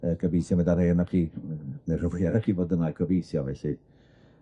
Yy gobeithio ma' 'da rhei onoch chi neu rhyw rhai eryll i fod yna gobeithio felly.